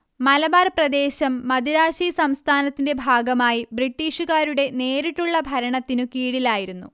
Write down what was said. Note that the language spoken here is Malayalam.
മലബാർ പ്രദേശം മദിരാശി സംസ്ഥാനത്തിന്റെ ഭാഗമായി ബ്രിട്ടീഷുകാരുടെ നേരിട്ടുള്ള ഭരണത്തിനു കീഴിലായിരുന്നു